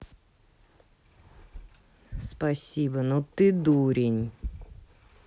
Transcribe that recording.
спасибо но ты дурень